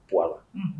Voilà